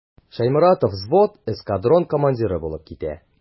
Шәйморатов взвод, эскадрон командиры булып китә.